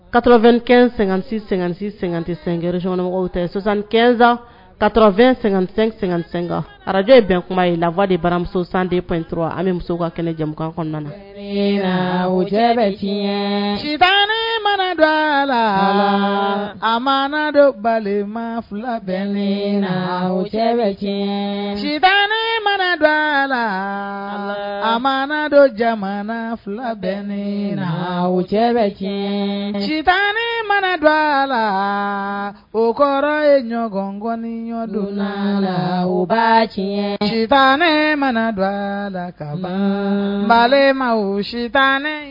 Kato2ɛn sɛgɛn sɛgɛn sɛgɛn tɛ senɛnro skaw tɛ sonsanniɛnsan tato2 sɛgɛnsenkan ararakaj ye bɛn kuma ye lafa de baramuso sanden p dɔrɔn an bɛ muso ka kɛnɛ jamu kɔnɔna na se wo cɛ bɛ tiɲɛɲɛ ci tan mana dɔ a la a ma dɔ balima fila bɛ ne wo cɛ bɛ tiɲɛ ci tan mana dɔ a la a mana dɔ jamana fila bɛ ne la wo cɛ bɛ tiɲɛ ci tan mana don a la o kɔrɔ ye ɲɔgɔn ŋɔni ɲɔgɔndon la la u ba tiɲɛ tan mana don a la ka balima wo sita